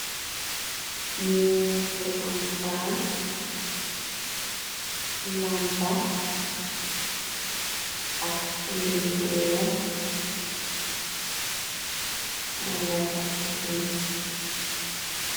Niik bu am fan lamba ak slimbure mo neko fikni.